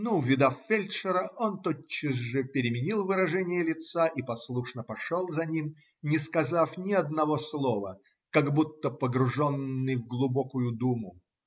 Но увидав фельдшера, он тотчас же переменил выражение лица и послушно пошел за ним, не сказав ни одного слова, как будто погруженный в глубокую думу.